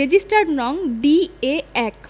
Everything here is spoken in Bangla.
রেজিস্টার্ড নং ডি এ ১